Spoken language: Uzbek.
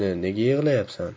nega yig'layapsan